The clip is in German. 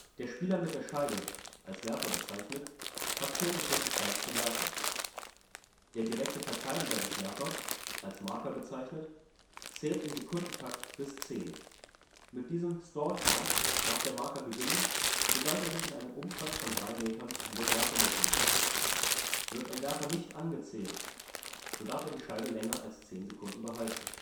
Der Spieler mit der Scheibe (Werfer) hat zehn Sekunden Zeit zu werfen. Der direkte Verteidiger des Werfers (Marker) zählt im Sekundentakt bis 10. Mit diesem Stall Count darf der Marker beginnen, sobald er sich in einem Umkreis von 3 Metern um den Werfer befindet. Wird ein Werfer nicht angezählt, so darf er die Scheibe länger als zehn Sekunden behalten